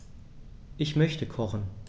Ich möchte kochen.